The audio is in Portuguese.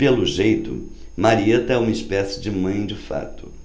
pelo jeito marieta é uma espécie de mãe de fato